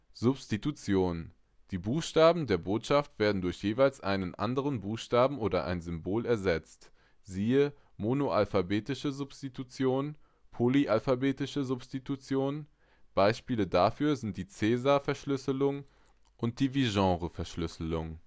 Substitution: Die Buchstaben der Botschaft werden durch jeweils einen anderen Buchstaben oder ein Symbol ersetzt; siehe Monoalphabetische Substitution und Polyalphabetische Substitution. Beispiele dafür sind die Caesar-Verschlüsselung und die Vigenère-Verschlüsselung